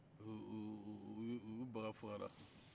o-o-o u baga fagara